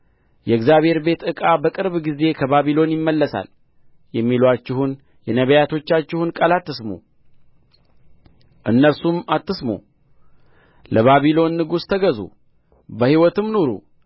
የእግዚአብሔር ቤት ዕቃ በቅርብ ጊዜ ከባቢሎን ይመለሳል የሚሉአችሁን የነቢያቶቻችሁን ቃል አትስሙ እነርሱም አትስሙ ለባቢሎን ንጉሥ ተገዙ በሕይወትም ኑሩ